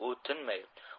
u tinmay